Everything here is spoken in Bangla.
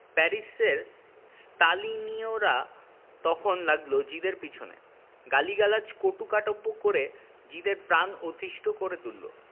প্যারিসের স্তালিনীয়রা তখন লাগল জিদের পেছনে গালিগালাজ কটুকাটব্য করে জিদে র প্রাণ অতিষ্ঠ করে তুলল